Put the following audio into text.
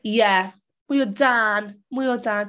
Ie mwy o Dan, mwy o Dan.